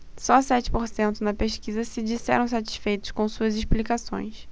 só sete por cento na pesquisa se disseram satisfeitos com suas explicações